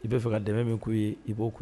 I bɛ fɛ ka dɛmɛ min ku ye i ko